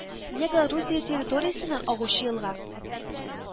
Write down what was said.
Негла Русия территориясеннән агучы елга